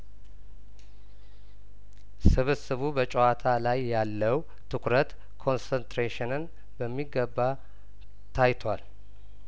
ስብስቡ በጨዋታ ላይ ያለው ትኩረት ኮንሰንትሬሽንን በሚገባ ታይቷል